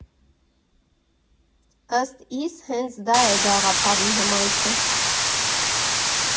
«Ըստ իս՝ հենց դա է գաղափարի հմայքը։